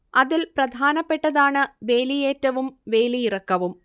അതിൽ പ്രധാനപ്പെട്ടതാണ് വേലിയേറ്റവും വേലിയിറക്കവും